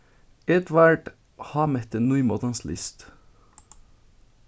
edvard hámetti nýmótans list